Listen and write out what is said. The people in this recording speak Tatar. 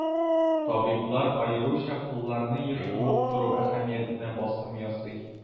Табиблар аеруча кулларны еш юып тору әһәмиятенә басым ясый.